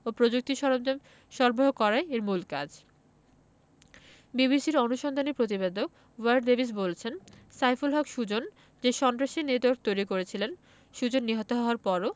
ও প্রযুক্তি সরঞ্জাম সরবরাহ করাই এর মূল কাজ বিবিসির অনুসন্ধানী প্রতিবেদক ওয়্যার ডেভিস বলছেন সাইফুল হক সুজন যে সন্ত্রাসী নেটওয়ার্ক তৈরি করেছিলেন সুজন নিহত হওয়ার পরও